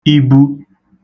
ibu